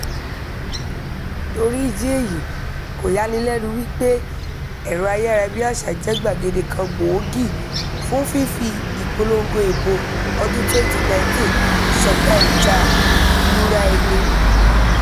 Torí ìdí èyí, kò yanilẹ́nu wípé ẹ̀rọ ayárabíàṣá jẹ́ gbàgede kan gbòógì fún fífi ìpolongo ìbò ọdún-un 2019 sọta ìjà lura ẹni.